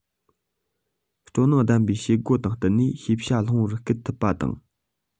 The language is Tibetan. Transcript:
སྤྲོ སྣང ལྡན པའི བྱེད སྒོ ལ བརྟེན ནས ཤེས བྱ སློབ པར སྐུལ ཐུབ པ དང